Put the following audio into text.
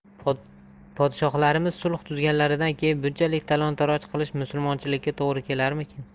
podshohlarimiz sulh tuzganlaridan keyin bunchalik talon toroj qilish musulmonchilikka to'g'ri kelarmikin